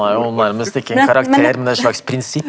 han er jo nærmest ikke en karakter men et slags prinsipp.